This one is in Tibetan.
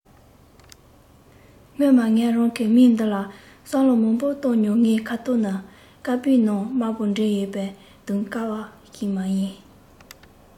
སྔོན མ ངས རང གི མིང འདི ལ བསམ བློ མང པོ བཏང མྱོང ངའི ཁ དོག ནི དཀར པོའི ནང དམར པོ འདྲེས ཡོད པས དུང ལྟར དཀར བ ཞིག མ ཡིན